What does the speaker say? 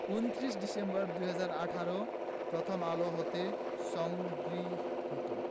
২৯ December ২০১৮ Prothom Alo হতে সংগৃহীত